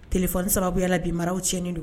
Kɛlɛ sababu yala bi maraw tii don